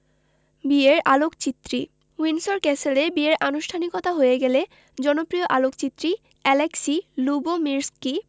বিয়ের আলোকচিত্রী উইন্ডসর ক্যাসেলে বিয়ের আনুষ্ঠানিকতা হয়ে গেলে জনপ্রিয় আলোকচিত্রী অ্যালেক্সি লুবোমির্সকি